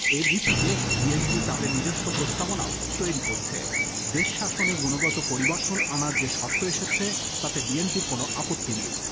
এর ভিত্তিতে বিএনপি তাদের নিজস্ব প্রস্তাবনাও তৈরি করছে দেশ শাসনে গুণগত পরিবর্তন আনার যে শর্ত এসেছে তাতে বিএনপি'র কোন আপত্তি নেই